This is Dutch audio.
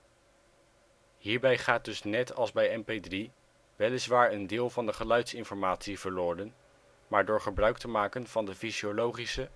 Hierbij gaat dus net als bij MP3 weliswaar een deel van de geluidsinformatie verloren, maar door gebruik te maken van de fysiologische